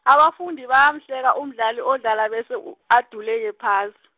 abafundi bayamhleka umdlali odlala bese u aduleke phasi.